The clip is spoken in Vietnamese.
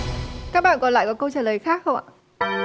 các bạn còn lại có câu trả lời khác không ạ